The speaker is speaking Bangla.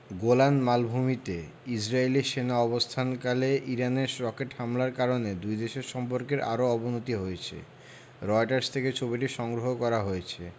গোলান মালভূমিতে ইসরায়েলি সেনা অবস্থানকালে ইরানের রকেট হামলার কারণে দুই দেশের সম্পর্কের আরও অবনতি হয়েছে রয়টার্স থেকে ছবিটি সংগ্রহ করা হয়েছে